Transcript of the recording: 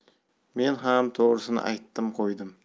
men ham to'g'risini aytdim qo'ydim